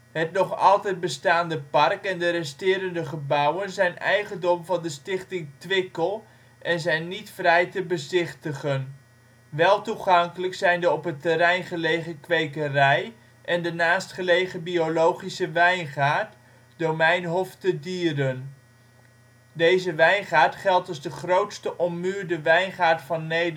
Het nog altijd bestaande park en de resterende gebouwen zijn eigendom van de Stichting Twickel en zijn niet vrij te bezichtigen. Wel toegankelijk zijn de op het terrein gelegen kwekerij en de naastgelegen biologische wijngaard, domein Hof te Dieren. Deze wijngaard geldt als de grootste ommuurde wijngaard van